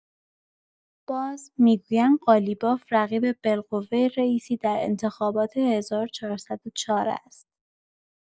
باز، می‌گویند قالیباف رقیب بالقوه رئیسی در انتخابات ۱۴۰۴ است.